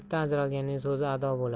yurtdan ajralganning so'zi ado bo'lar